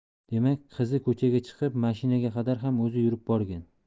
demak qizi ko'chaga chiqib mashinaga qadar ham o'zi yurib borgan